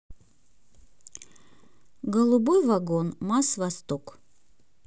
голубой вагон масс восток